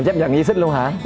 thích làm dây xích luôn hả